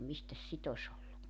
mistäs sitä olisi ollut